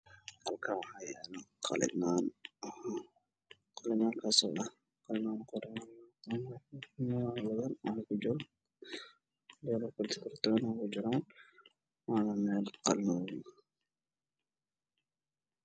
Meeshan maxaa yeelo qalay maan fara badan oo ka kooban buluug cagaar gudoomid waxa ay ku jiraan kartoomo